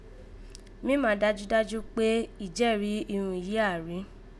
Mímá dájúdájú kpé, ìjẹ́ẹ̀rí irun yìí áà rí